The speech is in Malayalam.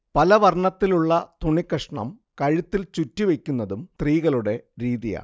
പലവർണ്ണത്തിലുള്ള തുണികഷ്ണം കഴുത്തിൽ ചുറ്റി വെക്കുന്നതും സ്ത്രീകളുടെ രീതിയാണ്